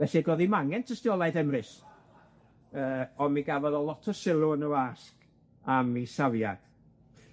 Felly, do'dd ddim angen tystiolaeth Emrys yy on' mi gafodd o lot o sylw yn y wasg am 'i safiad.